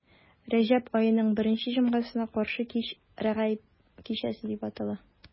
Рәҗәб аеның беренче җомгасына каршы кич Рәгаиб кичәсе дип атала.